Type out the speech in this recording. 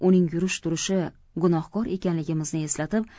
uning yurish turishi gunohkor ekanligimizni eslatib